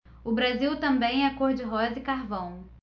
o brasil também é cor de rosa e carvão